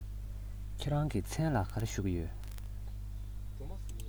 ཁྱེད རང གི མཚན ལ ག རེ ཞུ གི ཡོད